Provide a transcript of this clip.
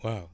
waaw